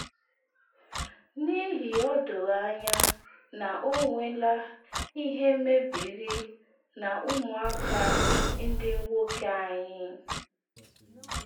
N’ihi o doro anya na ọ nwela ihe mebiri n’ụmụaka ndị nwoke anyị.’